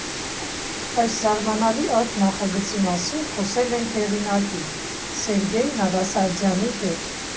Այս զարմանալի արտ֊նախագծի մասին խոսել ենք հեղինակի՝ Սերգեյ Նավասարդյանի հետ։